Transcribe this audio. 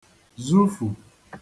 zufù